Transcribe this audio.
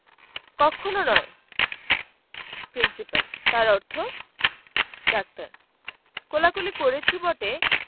কক্ষণো নয় প্রিন্সিপাল তার অর্থ ডাক্তার কোলাকুলি করেছি বটে